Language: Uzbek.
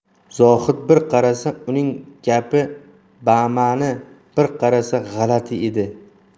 zohid bir qarasa uning gapi bama'ni bir qarasa g'alati edi